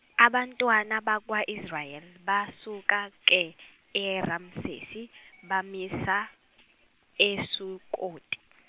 abantwana bakwa Israel basuka ke eRamsesi bamisa eSukoti.